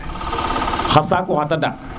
xa saku xa tadaq